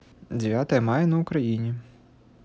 девятое мая на украине